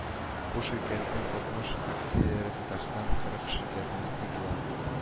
Бу ширкәтнең алтмыш акцияләре Татарстан, кырык ширкәтенеке була